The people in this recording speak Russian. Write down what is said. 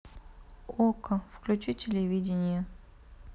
окко включи телевидение